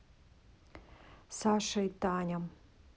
саша и таня